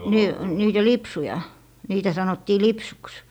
niin niitä lipsuja niitä sanottiin lipsuksi